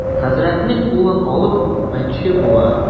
Хәзрәтнең кулын алып үпмәкче була.